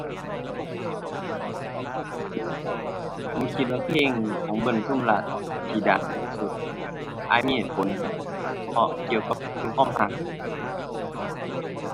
ผมคิดว่าเพลงของเบิล ปทุมราชที่ดังที่สุด อ้ายมีเหตุผลครับ เพราะเกี่ยวกับเรื่องความรัก